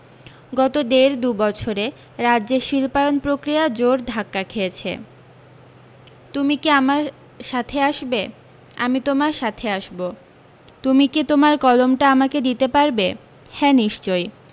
গত দেড় দু বছরে রাজ্যে শিল্পায়ন প্রক্রিয়া জোর ধাক্কা খেয়েছে তুমিকি আমার সাথে আসবে আমি তোমার সাথে আসবো তুমি কী তোমার কলমটা আমাকে দিতে পারবে হ্যা নিশ্চয়